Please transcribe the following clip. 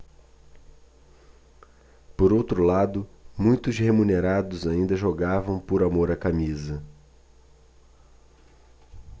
por outro lado muitos remunerados ainda jogavam por amor à camisa